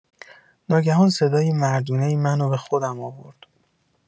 ناگهان صدای مردونه‌ای منو به خودم آورد.